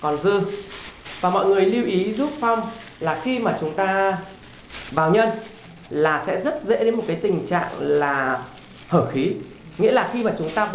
còn dư và mọi người lưu ý giúp phong là khi mà chúng ta vào nhân là sẽ rất dễ để một cái tình trạng là hở khí nghĩa là khi mà chúng ta bọc